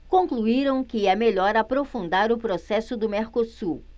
concluíram que é melhor aprofundar o processo do mercosul